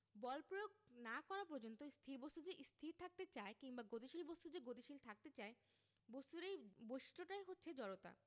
বল প্রয়োগ না করা পর্যন্ত স্থির বস্তু যে স্থির থাকতে চায় কিংবা গতিশীল বস্তু যে গতিশীল থাকতে চায় বস্তুর এই বৈশিষ্ট্যটাই হচ্ছে জড়তা